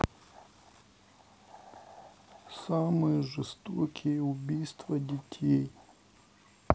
самые жестокие убийства детей